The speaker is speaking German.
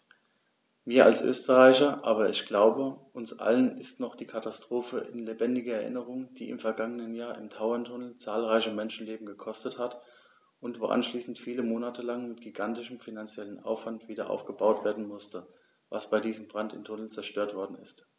Mir als Österreicher, aber ich glaube, uns allen ist noch die Katastrophe in lebendiger Erinnerung, die im vergangenen Jahr im Tauerntunnel zahlreiche Menschenleben gekostet hat und wo anschließend viele Monate lang mit gigantischem finanziellem Aufwand wiederaufgebaut werden musste, was bei diesem Brand im Tunnel zerstört worden ist.